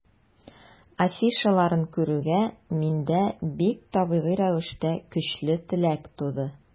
Афишаларын күрүгә, миндә бик табигый рәвештә көчле теләк туды.